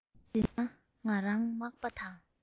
འདི ན ང རང མག པ